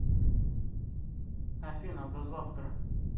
афина до завтра